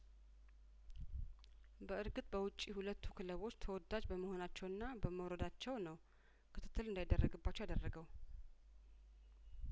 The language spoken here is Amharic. በእርግጥ በውጪ ሁለቱ ክለቦች ተወዳጅ በመሆናቸውና በመውረዳቸው ነው ክትትል እንዳይደረግባቸው ያደረገው